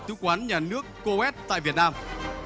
chứng khoán nhà nước cô oét tại việt nam